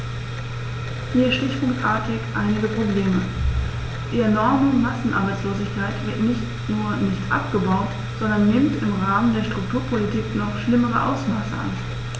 Hier stichpunktartig einige Probleme: Die enorme Massenarbeitslosigkeit wird nicht nur nicht abgebaut, sondern nimmt im Rahmen der Strukturpolitik noch schlimmere Ausmaße an.